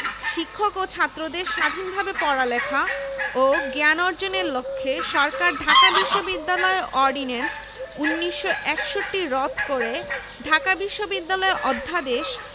ও শিক্ষকদের সংখ্যা অভাবনীয়রূপে বৃদ্ধি পায় ছাত্র শিক্ষক ও সাধারণ কর্মচারীদের বাসস্থান শ্রেণীকক্ষ ও গবেষণাগারের জন্য